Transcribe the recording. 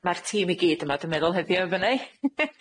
Ma'r tîm i gyd yma dwi'n meddwl heddiw 'fo ni.